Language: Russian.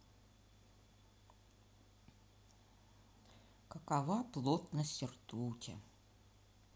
какова плотность ртути